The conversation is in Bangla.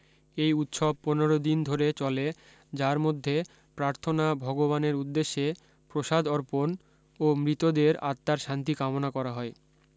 এই উৎসব পনের দিন ধরে চলে যার মধ্যে প্রার্থনা ভগবানের উদ্দেশ্যে প্রসাদ অর্পণ ও মৃত দের আত্মার শান্তি কামনা করা হয়